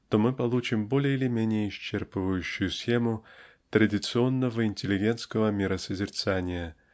то мы получим более или менее исчерпывающую схему традиционного интеллигентского миросозерцания